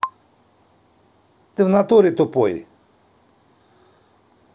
ты в натуре тупой